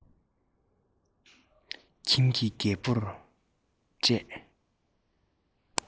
ཁྱིམ ཀྱི རྒད པོར སྤྲད